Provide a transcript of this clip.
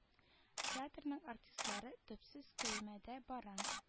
Театрның артистлары төпсез көймәдә бара